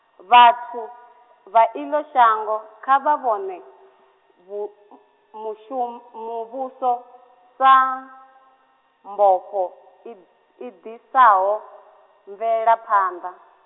vhathu vha iḽo shango kha vha vhone, vhu m-, mushu- muvhuso, sa, mbofho, i i ḓisaho, Bvelaphanḓa.